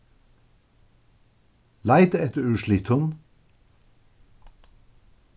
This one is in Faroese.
leita eftir úrslitum